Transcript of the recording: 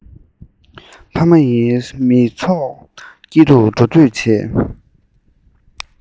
མི ཚོགས དཀྱིལ དུ འགྲོ སྡོད བྱེད